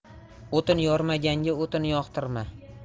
o'tin yormaganga o'tin yoqtirma